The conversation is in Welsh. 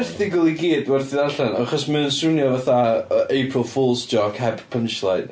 erthygl i gyd werth ei ddarllen, achos mae o'n swnio fatha yy April Fool's joke heb punchline.